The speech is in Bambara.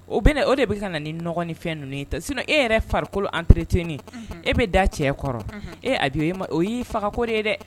O be na . O de be ka na ni ɲɔgɔ ni fɛn nunun ye ta . Sinon e yɛrɛ farikolo entretenue , e be da cɛ kɔrɔ . Ee Abi o yi faka ko ye dɛ.